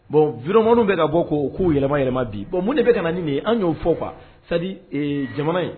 Bon vidéo manuw bɛ ka bɔ k'o kow yɛlɛma yɛlɛma bi bon mun de bɛ ka na nin ni ye an y'o fɔ quoi c'est à dire ee jamana in